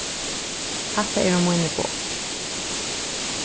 hatta eru míni boð